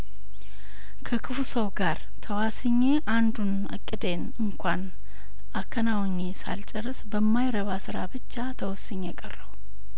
ከክፉ ሰው ገር ተዋስኜ አንዱን እቅዴን እንኳን አከናውኜ ሳልጨርስ በማይረባ ስራ ብቻ ተወስኜ ቀረሁ